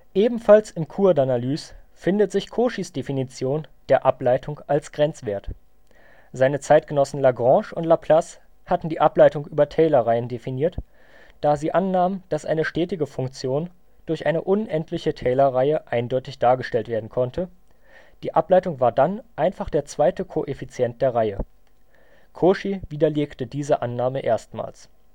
Ebenfalls im Cours d’ Analyse findet sich Cauchys Definition der Ableitung als Grenzwert. Seine Zeitgenossen Lagrange und Laplace hatten die Ableitung über Taylor-Reihen definiert, da sie annahmen, dass eine stetige Funktion durch eine unendliche Taylor-Reihe eindeutig dargestellt werden konnte, die Ableitung war dann einfach der zweite Koeffizient der Reihe. Cauchy widerlegte diese Annahme erstmals